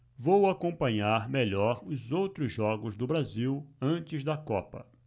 vou acompanhar melhor os outros jogos do brasil antes da copa